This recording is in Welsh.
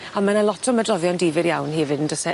A my' 'ny lot o ymedroddio'n difyr iawn hefyd yndo's e?